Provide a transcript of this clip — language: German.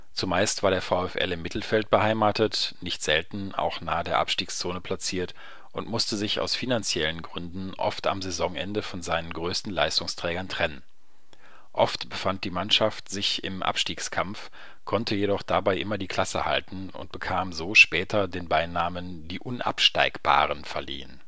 Zumeist war der VfL im Mittelfeld beheimatet, nicht selten auch nahe der Abstiegszone platziert und musste sich aus finanziellen Gründen oft am Saisonende von seinen größten Leistungsträgern trennen. Oft befand die Mannschaft sich im Abstiegskampf, konnte jedoch dabei immer die Klasse halten und bekam so später den Beinamen „ Die Unabsteigbaren “verliehen